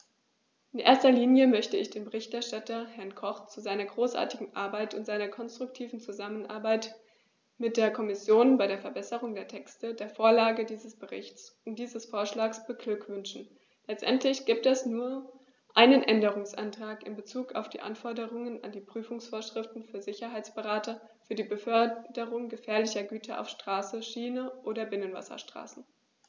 In erster Linie möchte ich den Berichterstatter, Herrn Koch, zu seiner großartigen Arbeit und seiner konstruktiven Zusammenarbeit mit der Kommission bei der Verbesserung der Texte, der Vorlage dieses Berichts und dieses Vorschlags beglückwünschen; letztendlich gibt es nur einen Änderungsantrag in bezug auf die Anforderungen an die Prüfungsvorschriften für Sicherheitsberater für die Beförderung gefährlicher Güter auf Straße, Schiene oder Binnenwasserstraßen.